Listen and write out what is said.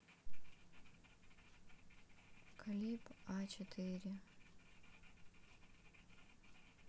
клип а четыре